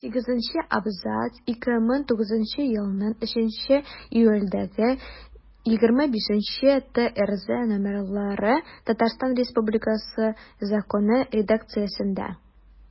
Сигезенче абзац 2009 елның 3 июлендәге 25-ТРЗ номерлы Татарстан Республикасы Законы редакциясендә.